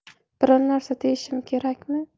biron narsa deyishim kerakmi